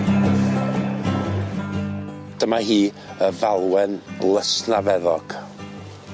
Dyma hi y falwen lysnafeddog.